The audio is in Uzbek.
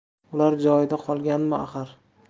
ular joyida qolganmi axir